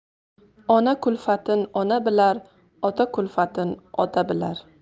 ona kulfatin ona bilar ota kulfatin ota bilar